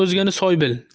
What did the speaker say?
o'zgani soy bil